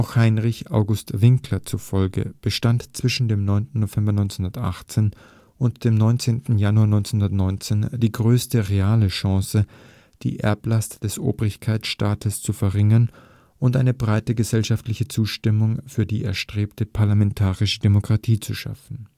Heinrich August Winkler zufolge bestand zwischen dem 9. November 1918 und dem 19. Januar 1919 die größte reale Chance, die „ Erblast des Obrigkeitsstaates “zu verringern und eine breite gesellschaftliche Zustimmung für die erstrebte parlamentarische Demokratie zu schaffen